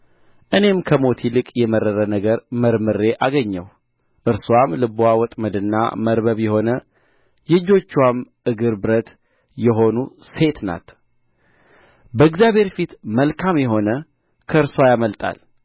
እኔም ከሞት ይልቅ የመረረ ነገር መርምሬ አገኘሁ እርስዋም ልብዋ ወጥመድና መርበብ የሆነ እጆችዋም እግር ብረት የሆኑ ሴት ናት በእግዚአብሔር ፊት መልካም የሆነ ከእርስዋ ያመልጣል